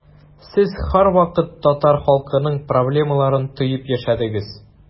Сез һәрвакыт татар халкының проблемаларын тоеп яшәдегез.